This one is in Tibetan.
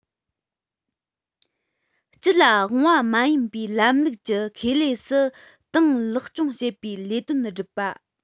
སྤྱི ལ དབང བ མིན པའི ལམ ལུགས ཀྱི ཁེ ལས སུ ཏང ལེགས སྐྱོང བྱེད པའི ལས དོན བསྒྲུབས པ